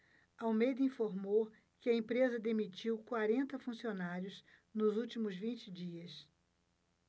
almeida informou que a empresa demitiu quarenta funcionários nos últimos vinte dias